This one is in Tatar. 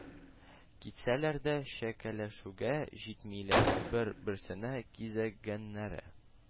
Китсәләр дә, чәкәләшүгә җитмиләр, бер-берсенә кизәнгәннәре